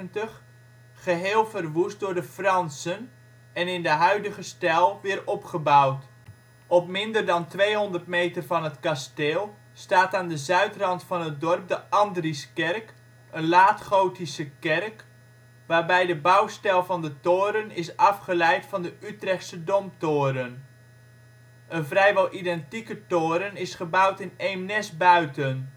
geheel verwoest door de Fransen en in de huidige stijl weer opgebouwd. Op minder dan 200 meter van het kasteel staat aan de zuidrand van het dorp de Andrieskerk, een laatgotische kerk waarbij de bouwstijl van de toren is afgeleid van de Utrechtse Domtoren. Een vrijwel identieke toren is gebouwd in Eemnes-Buiten